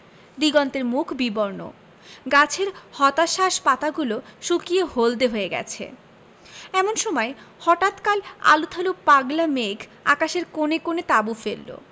দিগন্তের মুখ বিবর্ণ গাছের হতাশ্বাস পাতাগুলো শুকিয়ে হলদে হয়ে গেছে এমন সময় হটাৎ কাল আলুথালু পাগলা মেঘ আকাশের কোণে কোণে তাঁবু ফেললো